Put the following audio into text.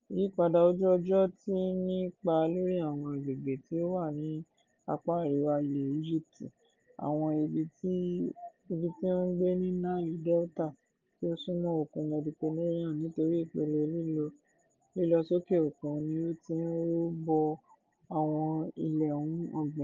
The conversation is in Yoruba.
Ìyípadà ojú ọjọ́ tí ń ní ipa lórí àwọn àgbègbè tí ó wà ní apá àríwá ilẹ̀ Íjíbítì, àwọn tí wọ́n ń gbé ní Nile delta tí ó súnmọ́ òkun Mediterranean nítorí ìpele lílọ sókè òkun ni ó ti ń ru bo àwọn ilẹ̀ ohun ọgbìn.